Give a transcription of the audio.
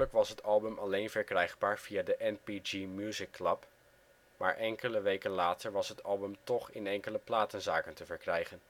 was het album alleen verkrijgbaar via de NPG Music Club, maar enkele weken later was het album toch in enkele platenzaken te verkrijgen